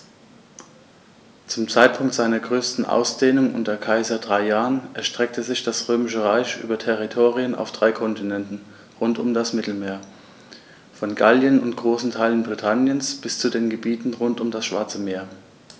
Zum Zeitpunkt seiner größten Ausdehnung unter Kaiser Trajan erstreckte sich das Römische Reich über Territorien auf drei Kontinenten rund um das Mittelmeer: Von Gallien und großen Teilen Britanniens bis zu den Gebieten rund um das Schwarze Meer.